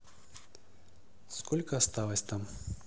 сколько осталось там